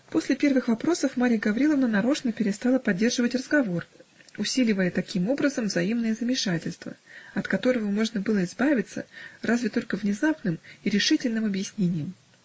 После первых вопросов Марья Гавриловна нарочно перестала поддерживать разговор, усиливая таким образом взаимное замешательство, от которого можно было избавиться разве только незапным и решительным объяснением.